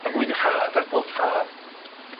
Y mwynhad a'r boddhad